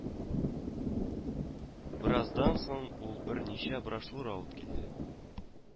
Бераздан соң ул берничә брошюра алып килде